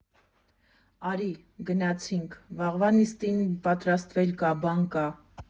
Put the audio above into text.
Արի, գնացինք, վաղվա նիստին պատրաստվել կա, բան կա…